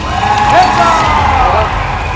hết giờ